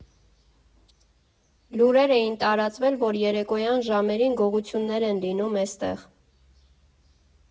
Լուրեր էին տարածվել, որ երեկոյան ժամերին գողություններ են լինում էստեղ։